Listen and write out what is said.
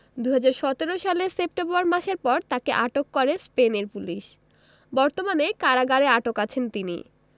২০১৭ সালের সেপ্টেম্বর মাসের পর তাকে আটক করে স্পেনের পুলিশ বর্তমানে কারাগারে আটক আছেন তিনি